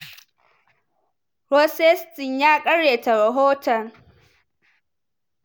Rosenstein ya karyata rahoton.